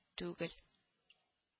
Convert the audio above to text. Түгел